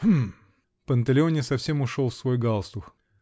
-- Гм. -- Панталеоне совсем ушел в свой галстук.